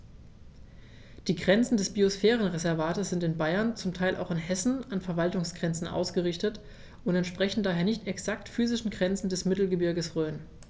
Die Grenzen des Biosphärenreservates sind in Bayern, zum Teil auch in Hessen, an Verwaltungsgrenzen ausgerichtet und entsprechen daher nicht exakten physischen Grenzen des Mittelgebirges Rhön.